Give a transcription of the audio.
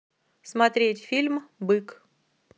смотреть фильм бык